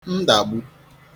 ǹdagbu